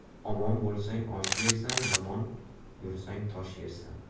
omon bo'lsang osh yersan yomon yursang tosh yersan